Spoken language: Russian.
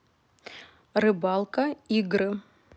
рыбалка игры